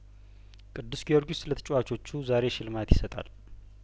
ቅዱስ ጊዮርጊስ ለተጨዋቾቹ ዛሬ ሽልማት ይሰጣል